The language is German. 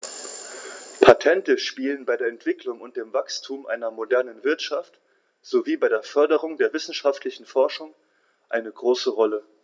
Patente spielen bei der Entwicklung und dem Wachstum einer modernen Wirtschaft sowie bei der Förderung der wissenschaftlichen Forschung eine große Rolle.